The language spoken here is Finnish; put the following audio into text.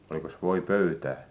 olikos voipöytää